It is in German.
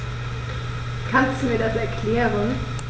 Kannst du mir das erklären?